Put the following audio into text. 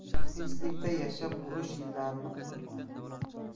tinchlikda yashab urush yillarini unutma